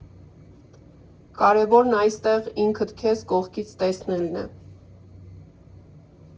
Կարևորն այստեղ ինքդ քեզ կողքից տեսնելն է։